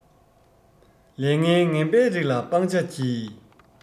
ལས ངན ངན པའི རིགས ལ སྤང བྱ གྱིས